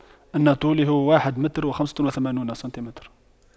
ان طولي هو واحد متر وخمسة وثمانون سنتمتر